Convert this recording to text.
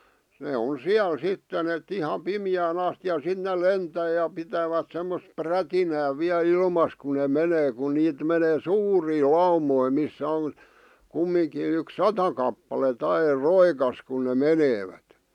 ne on siellä sitten että ihan pimeään asti ja sitten ne lentää ja pitävät semmoista prätinää vielä ilmassa kun ne menee kun niitä menee suuria laumoja missä on kumminkin yksi sata kappaletta aina roikassa kun ne menevät